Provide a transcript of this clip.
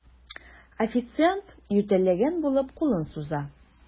Официант, ютәлләгән булып, кулын суза.